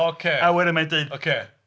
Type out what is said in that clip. Ocê... a wedyn mae'n deud... Ocê.